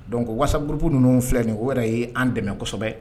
Don wasaurup ninnu filɛ ye o yɛrɛ ye an dɛmɛ kosɛbɛ